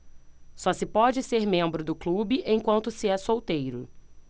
só se pode ser membro do clube enquanto se é solteiro